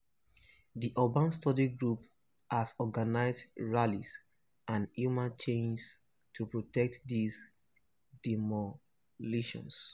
The Urban Study Group has organized rallies and human chains to protest these demolitions.